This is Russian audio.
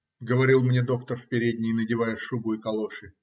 говорил мне доктор в передней, надевая шубу и калоши,